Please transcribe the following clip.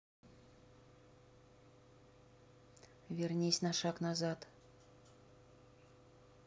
вернись на шаг назад